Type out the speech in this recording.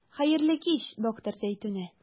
Хәерле кич, доктор Зәйтүнә.